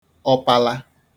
ọpala